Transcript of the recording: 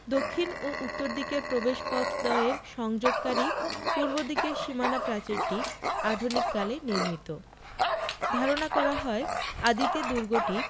দক্ষিণ ও উত্তর দিকের প্রবেশপথদ্বয়ের সংযোগকারী পূর্ব দিকের সীমানা প্রাচীরটি আধুনিক কালে নির্মিত ধারণা করা হয় আদিতে দুর্গটি